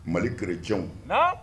Mali grejw